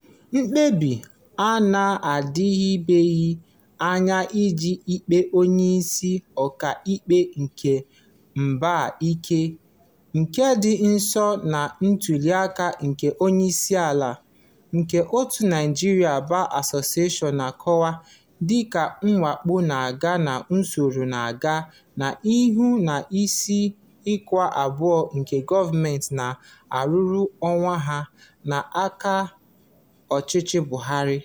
Mkpebi a na-adịbeghị anya iji kpee Onyeisi Ọkaikpe nke Mba ikpe — nke dị nso na ntụliaka nke onyeisi ala — nke òtù Nigerian Bar Association na-akọwa dịka "mwakpo na-aga n'usoro na-aga n'ihu n'isi ogwe abụọ nke gọọmentị na-arụụrụ onwe ha" n'aka ọchịchị Buhari.